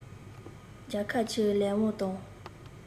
རྒྱལ ཁབ ཀྱི ལས དབང དང